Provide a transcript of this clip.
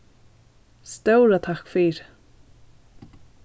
stóra takk fyri